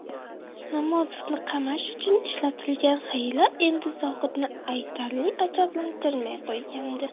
namozovni qamash uchun ishlatilgan hiyla endi zohidni aytarli ajablantirmay qo'ygandi